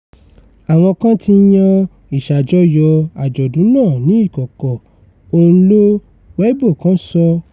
Àwọn kan ti yan ìṣàjọyọ̀ àjọ̀dún náà ní ìkọ̀kọ̀. Òǹlo Weibo kan sọ: